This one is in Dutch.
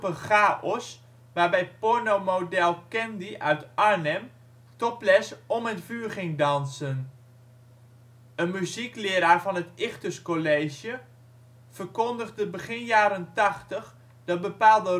chaos, waarbij pornomodel ' Candy ' uit Arnhem topless om het vuur ging dansen. Een muziekleraar van het Ichthus College verkondigde begin jaren ' 80 dat bepaalde rockplaten